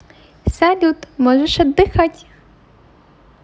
салют можешь отдыхать